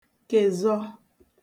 kèzọ